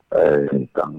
Ɛɛ